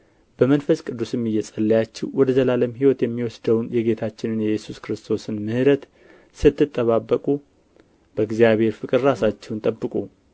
በመንፈስ ቅዱስም እየጸለያችሁ ወደ ዘላለም ሕይወት የሚወስደውን የጌታችንን የኢየሱስ ክርስቶስን ምሕረት ስትጠባበቁ በእግዚአብሔር ፍቅር ራሳችሁን ጠብቁ